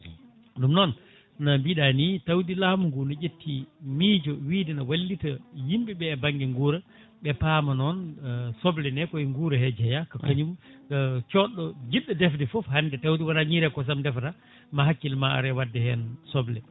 ɗum noon na mbiɗa ni tawde laamu ngu ne ƴetti miijo wiide ne wallita yimɓeɓe e banggue guura ɓe paama noon sobleɗe koye guura he jeeya ko kañum coɗɗo jiɗɗo defde foof hande tawde wona ñiiri e kosam defata ma hakkille ma ar e wadde hen soble